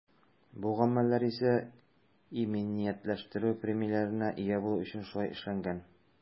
Бу гамәлләр исә иминиятләштерү премияләренә ия булу өчен шулай эшләнгән.